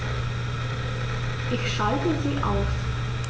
Ich schalte sie aus.